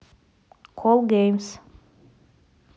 кол геймс